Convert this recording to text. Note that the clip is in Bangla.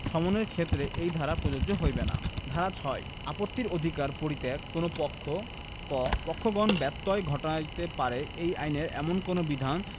সমনের ক্ষেত্রে এই ধারা প্রযোজ্য হইবে না ধারা ৬ আপত্তির অধিকার পরিত্যাগঃ কোন পক্ষ ক পক্ষগণ ব্যত্যয় ঘটাইতে পারে এই আইনের এমন কোন বিধান